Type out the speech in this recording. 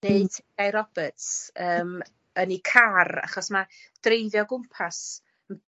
neud Dei Roberts yym yn 'i car achos ma' dreifio o gwmpas